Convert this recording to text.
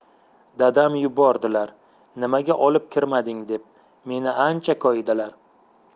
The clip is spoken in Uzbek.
dadam yubordilar nimaga olib kirmading deb meni ancha koyidilar